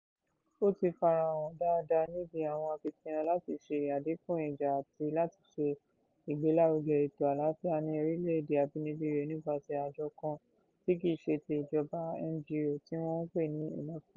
Ó ti fara hàn dáadáa níbi àwọn akitiyan láti ṣe àdínkù ìjà àti láti ṣe ìgbélárugẹ ètò àlàáfíà ní orílẹ̀-èdè abínibí rẹ̀ nípasẹ̀ Àjọ kan tí kìí se ti ìjọba (NGO) tí wọn ń pè ní Enough Project.